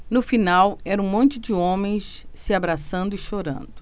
no final era um monte de homens se abraçando e chorando